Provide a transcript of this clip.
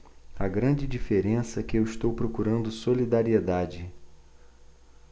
a grande diferença é que eu estou procurando solidariedade